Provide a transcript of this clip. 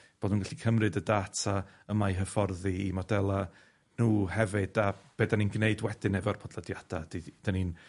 bod nw'n gallu cymryd y data yma i hyfforddi 'u modela' nhw hefyd, a be' 'dan ni'n gneud wedyn efo'r podlediada ydi 'dan ni'n